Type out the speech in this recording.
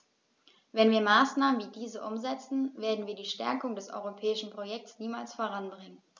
Wenn wir Maßnahmen wie diese umsetzen, werden wir die Stärkung des europäischen Projekts niemals voranbringen.